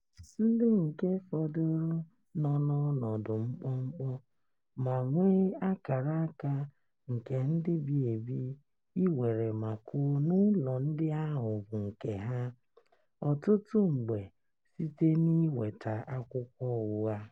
Ndị nke fọdụru nọ n'ọnọdụ mkpọmkpọ ma nwee akaraka nke ndị bi ebi iwere ma kwuo n'ụlọ ndị ahụ bụ nke ha (ọtụtụ mgbe site n'iweta akwụkwọ ụgha).